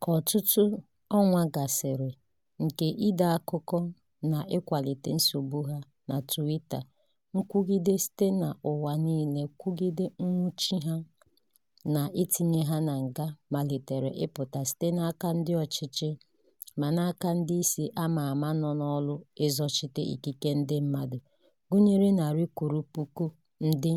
Ka ọtụtụ ọnwa gasịrị nke ide akụkọ na ịkwalite nsogbu ha na Twitter, nkwugide site n'ụwa niile kwugide nnwụchi ha na itinye ha na nga malitere ịpụta site n'aka ndị ọchịchị ma n'aka ndị isi a ma ama nọ n'ọrụ ịzọchite ikike ndị mmadụ, gụnyere narị kwụrụ puku ndị